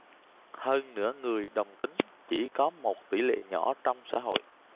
hơn nữa người đồng tính chỉ có một tỷ lệ nhỏ trong xã hội